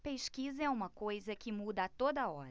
pesquisa é uma coisa que muda a toda hora